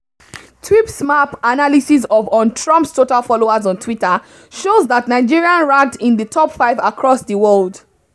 Tweepsmap analysis of on Trump’s total followers on Twitter shows that Nigerians ranked in the top five across the world: